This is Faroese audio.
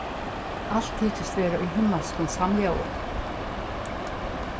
alt tykist vera í himmalskum samljóði